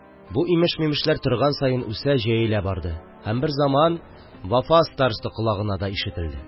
Бу имеш-мимешләр торган саен үсә, җәелә бардылар һәм берзаман Вафа староста колагына да ишетелделәр